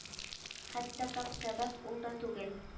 Хәтта төп сәбәп ул да түгел